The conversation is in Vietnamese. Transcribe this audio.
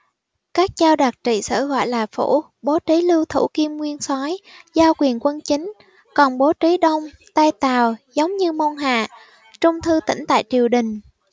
các châu đặt trị sở gọi là phủ bố trí lưu thủ kiêm nguyên soái giao quyền quân chính còn bố trí đông tây tào giống như môn hạ trung thư tỉnh tại triều đình